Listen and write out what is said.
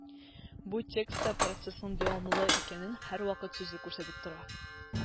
Бу текстта процессның дәвамлы икәнлеген «һәрвакыт» сүзе күрсәтеп тора.